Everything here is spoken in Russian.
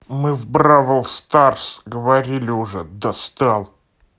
мы в brawl stars говорили уже достал